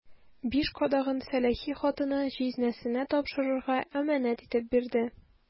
Биш кадагын сәләхи хатыны җизнәсенә тапшырырга әманәт итеп бирде.